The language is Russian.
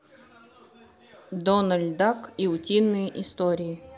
дональд дак и утиные истории